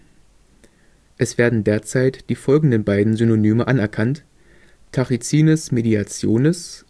werden derzeit die folgenden beiden Synonyme anerkannt: Tachycines meditationis